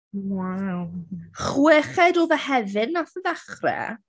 Waw! Chweched o Fehefin wnaeth e ddechrau.